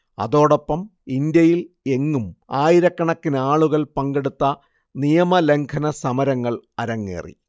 അതോടൊപ്പം ഇന്ത്യയിൽ എങ്ങും ആയിരക്കണക്കിനാളുകൾ പങ്കെടുത്ത നിയമലംഘന സമരങ്ങൾ അരങ്ങേറി